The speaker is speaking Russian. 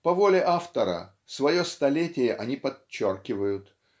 по воле автора, свое столетие они подчеркивают